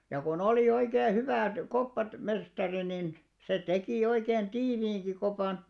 ja kun oli oikein hyvät - koppamestari niin se teki oikein tiiviinkin kopan